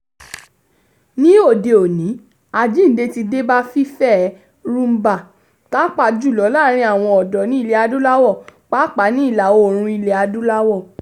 Ní òde òní, àjíǹde ti débá fífẹ́ Rhumba, pàápàá jùlọ láàárín àwọn ọ̀dọ́ ní Ilẹ̀ Adúláwò pàápàá ní Ìlà-oòrùn Ilẹ̀ Adúláwò.